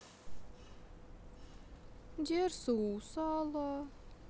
дерсу узала